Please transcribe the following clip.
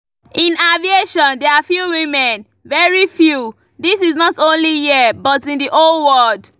In aviation there are few women, very few, this is not only here but in the whole world.